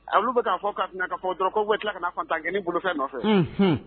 A olu bɛ k'a fɔ ka na ka fɔ dɔrɔn ko we tila kana fantan kelen bolofɛn nɔfɛ